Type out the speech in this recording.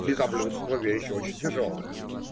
Лизоблюдство - вещь очень тяжелая.